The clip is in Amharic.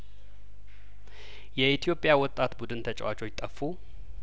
የኢትዮጵያ ወጣት ቡድን ተጫዋቾች ጠፉ